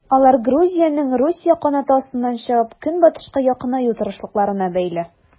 Алар Грузиянең Русия канаты астыннан чыгып, Көнбатышка якынаю тырышлыкларына бәйле.